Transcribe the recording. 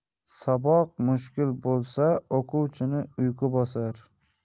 saboq mushkul bo'lsa o'quvchini uyqu bosar